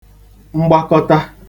mgbakọta